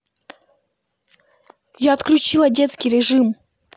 я отключила детский режим